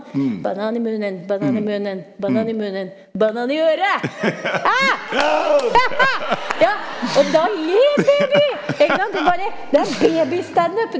banan i munnen, banan i munnen, banan i munnen, banan i øret, æ haha ja og da ler baby ikke sant de bare det er babystandup.